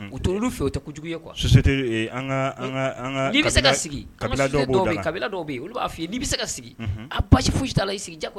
U to olu fɛ u tɛ ye kuwai ka sigi kabila yen kabila dɔw bɛ yen i olu b'a fɔ ye n'i bɛ se ka sigi a basi foyi' la i sigi diya